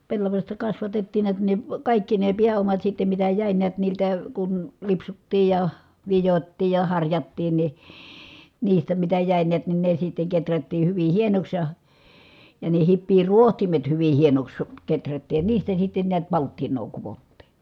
pellavasta kasvatettiin näet niin kaikki ne pääomat sitten mitä jäi näet niiltä kun lipsuttiin ja vidottiin ja harjattiin niin niistä mitä jäi näet niin ne sitten kehrättiin hyvin hienoksi ja ja ne hipiä rohtimet hyvin hienoksi kehrättiin ja niistä sitten näet palttinaa kudottiin